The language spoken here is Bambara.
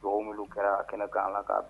Dɔgɔkun minnu kɛra a kɛnɛ gan an kan k'a bɛn